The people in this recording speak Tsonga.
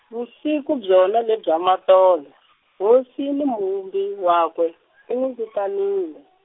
vusiku byona lebya matolo, hosi ni Muvumbi wakwe, u nwi vitanile.